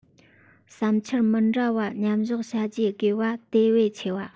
བསམ འཆར མི འདྲ བ ཉན འཇོག བྱ རྒྱུའི དགོས པ དེ བས ཆེ བ